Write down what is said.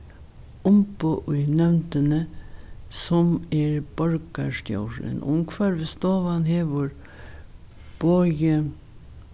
umboð í nevndini sum er borgarstjórin umhvørvisstovan hevur boðið